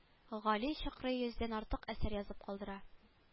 Гали чокрый йөздән артык әсәр язып калдыра